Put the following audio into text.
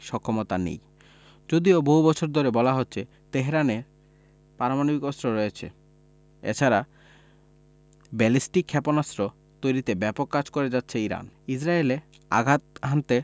সক্ষমতা নেই যদিও বহু বছর ধরে বলা হচ্ছে তেহরানের পারমাণবিক অস্ত্র রয়েছে এ ছাড়া ব্যালিস্টিক ক্ষেপণাস্ত্র তৈরিতে ব্যাপক কাজ করে যাচ্ছে ইরান ইসরায়েলে আঘাত হানতে